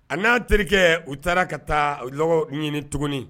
A n'a terikɛ, u taara ka taa, lɔgɔ ɲini tuguni